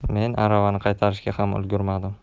men aravani qaytarishga ham ulgurmadim